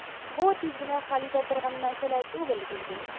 Бу тиз генә хәл ителә торган мәсьәлә түгел, билгеле.